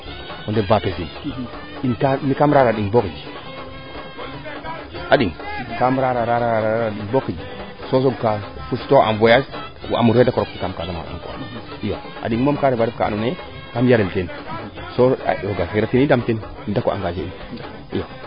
o ɗeɓ Pathé Sine mi kam rara den boo xij a ɗing kam raara raara den boo xij so soog ka sutoox en voyage amour fee da roq tatataam Casamance encore iyo a ɗiŋ moom kaa refa ref kaa ando naye kam yarel teen so roga fi i ndam teen im dako engagé in iyo